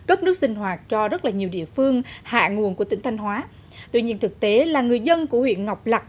cấp nước sinh hoạt cho rất là nhiều địa phương hạ nguồn của tỉnh thanh hóa tuy nhiên thực tế là người dân của huyện ngọc lặc